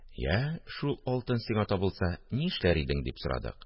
– йә, шул алтын сиңа табылса, ни эшләр идең? – дип сорадык